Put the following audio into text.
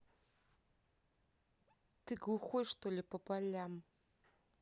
ты глухой что ли по полям